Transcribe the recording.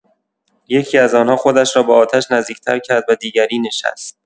یکی‌از آن‌ها خودش را به آتش نزدیک‌تر کرد و دیگری نشست.